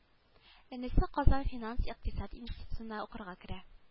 Энесе казан финанс-икътисад институтына укырга керә